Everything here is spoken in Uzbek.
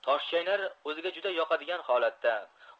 toshchaynar o'ziga juda yoqadigan holatda